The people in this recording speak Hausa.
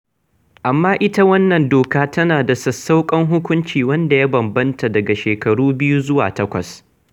Amma ita wannan doka tana da sassauƙan hukunci, wanda ya bambanta daga shekaru biyu zuwa takwas.